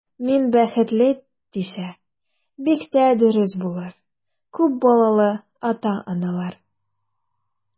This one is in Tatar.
Мин бәхетле, дисә, бик тә дөрес булыр, күп балалы ата-аналар.